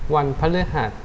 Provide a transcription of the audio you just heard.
วันพฤหัส